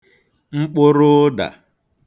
mkpụrụ ụdà